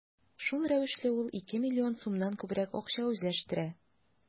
Шул рәвешле ул ике миллион сумнан күбрәк акча үзләштерә.